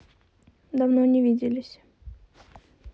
давно не виделись